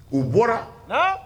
U bɔra. Han?